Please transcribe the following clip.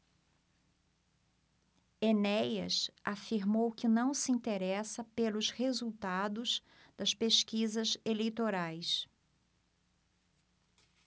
enéas afirmou que não se interessa pelos resultados das pesquisas eleitorais